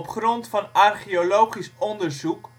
grond van archeologisch onderzoek